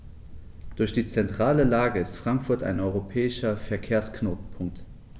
Durch die zentrale Lage ist Frankfurt ein europäischer Verkehrsknotenpunkt.